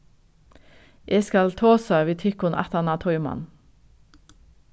eg skal tosa við tykkum aftan á tíman